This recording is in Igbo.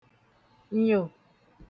nyò